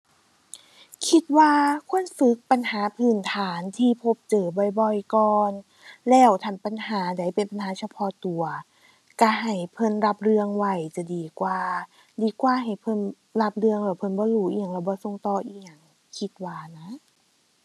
คิดว่าควรฝึกปัญหาพื้นฐานที่พบเจอบ่อยบ่อยก่อน แล้วถ้าคันปัญหาใดเป็นปัญหาเฉพาะตัว ก็ให้เพิ่นรับเรื่องไว้จะดีกว่า ดีกว่าให้เพิ่นรับเรื่องแล้วเพิ่นบ่รู้อิหยัง แล้วบ่ส่งต่ออิหยัง คิดว่านะ